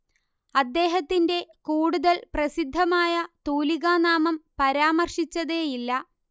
അദ്ദേഹത്തിന്റെ കൂടുതൽ പ്രസിദ്ധമായ തൂലികാനാമം പരാമർശിച്ചതേയില്ല